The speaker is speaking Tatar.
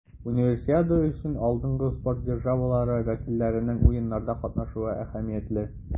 Универсиада өчен алдынгы спорт державалары вәкилләренең Уеннарда катнашуы әһәмиятле.